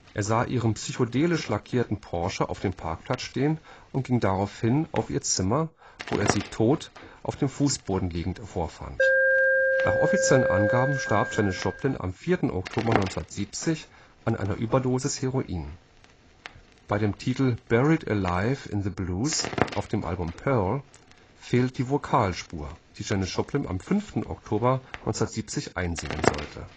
Er sah ihren psychedelisch lackierten Porsche auf dem Parkplatz stehen und ging daraufhin auf ihr Zimmer, wo er sie tot auf dem Fußboden liegend vorfand. Nach offiziellen Angaben starb Janis Joplin am 4. Oktober 1970 an einer Überdosis Heroin. Bei dem Titel Buried alive in the Blues auf dem Album Pearl fehlt die Vokal-Spur, die Janis Joplin am 5. Oktober 1970 einsingen sollte